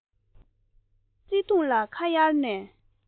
མི སྣ གཙོ བོ བརྩེ དུང ལ ཁ གཡར ནས